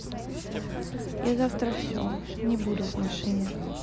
я завтра все не буду в машину